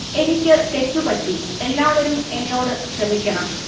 എനിക്ക് തെറ്റു പറ്റി എല്ലാവരും എന്നോട് ക്ഷമിക്കണം